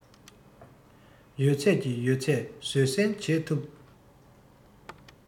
ཡོད ཚད ཀྱི ཡོད ཚད བཟོད བསྲན བྱེད ཐུབ